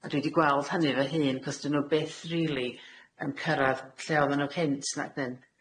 A dwi 'di gweld hynny fy hun, cos' 'dyn nw byth rili yn cyrradd lle oddan nw cynt, nac 'dyn?